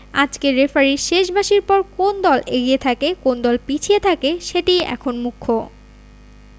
আজকের রেফারির শেষ বাঁশির পর কোন দল এগিয়ে থাকে কোন দল পিছিয়ে থাকে সেটিই এখন মুখ্য